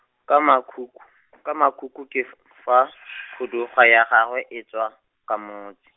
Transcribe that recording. ka makuku , ka makuku ke f- fa, khuduga ya gagwe e tswa, ka motse.